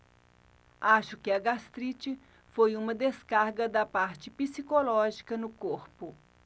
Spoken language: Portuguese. acho que a gastrite foi uma descarga da parte psicológica no corpo